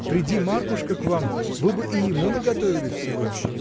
Приди Маркушка к вам, вы бы и ему наготовили всего.